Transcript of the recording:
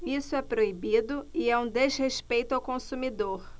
isso é proibido e é um desrespeito ao consumidor